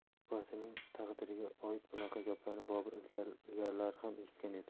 opasining taqdiriga oid bunaqa gaplarni bobur ilgarilari ham eshitgan edi